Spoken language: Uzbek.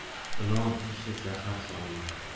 ilon ishi zahar solmoq